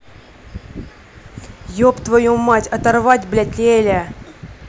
еб твою мать оторвать блядь эля